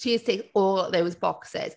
She's ticked all those boxes.